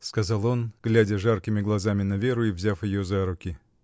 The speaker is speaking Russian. — сказал он, глядя жаркими глазами на Веру и взяв ее за руки.